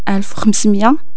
ألف أو خمس ميا